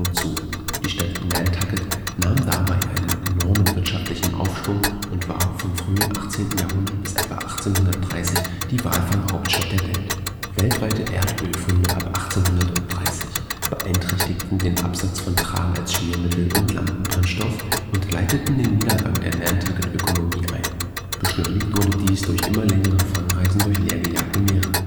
zu. Die Stadt Nantucket nahm dabei einen enormen wirtschaftlichen Aufschwung und war vom frühen 18. Jahrhundert bis etwa 1830 die „ Walfang-Hauptstadt “der Welt. Weltweite Erdöl-Funde ab 1830 beeinträchtigten den Absatz von Tran als Schmiermittel und Lampenbrennstoff und leiteten den Niedergang der Nantucket-Ökonomie ein. Beschleunigt wurde dies durch immer längere Fangreisen durch leergejagte Meere